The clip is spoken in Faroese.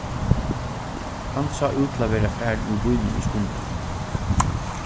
hann sá út til at vera farin úr býnum í skundi